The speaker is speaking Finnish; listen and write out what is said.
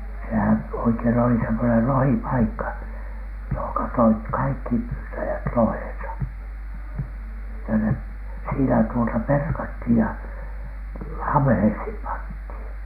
sehän oikein oli semmoinen lohipaikka johon toivat kaikki pyytäjät lohensa että ne siinä tuota perattiin ja ammeisiin pantiin